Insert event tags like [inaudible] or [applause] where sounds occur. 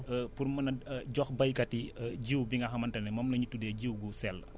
[hesitation] pour mun a [hesitation] jox béykat yi [hesitation] jiw bi nga xamante ne moom la ñu tuddee jiw bu sell